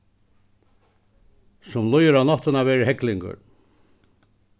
sum líður á náttina verður heglingur